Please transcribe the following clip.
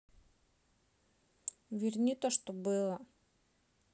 верни то что было